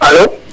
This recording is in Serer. alo